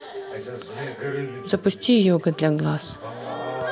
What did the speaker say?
запусти йога для глаз